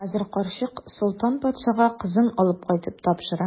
Хәзер карчык Солтан патшага кызын алып кайтып тапшыра.